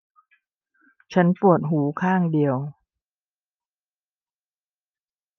ฉันปวดหูข้างเดียว